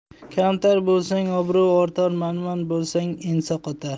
kamtar bo'lsang obro' ortar manman bo'lsang ensa qotar